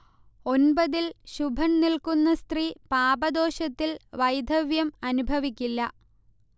ഒൻപതിൽ ശുഭൻ നിൽക്കുന്ന സ്ത്രീ പാപദോഷത്തിൽ വൈധവ്യം അനുഭവിക്കില്ല